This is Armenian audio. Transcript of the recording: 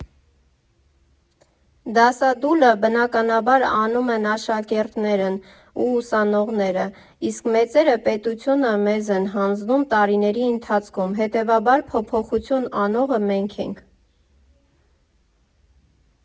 Դասադուլը, բնականաբար, անում են աշակերտներն ու ուսանողները, իսկ մեծերը պետությունը մեզ են հանձնում տարիների ընթացքում, հետևաբար փոփոխություն անողը մենք ենք։